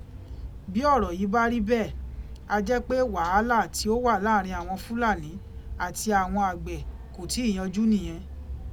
Bí ọ̀rọ̀ yí bá rí bẹ́ẹ̀ a jẹ́ pé wàhálà tí ó wà láàrin àwọn Fúlàní àti àwọn àgbẹ̀ kò tíì yanjú nìyẹn.